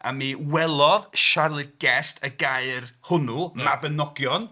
A mi welodd Charlotte Guest y gair hwnnw, 'Mabiniogion'...